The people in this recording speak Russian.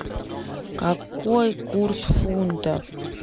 какой курс фунтов